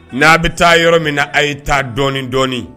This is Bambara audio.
N'a bɛ taa yɔrɔ min na a ye taa dɔɔnin dɔɔnin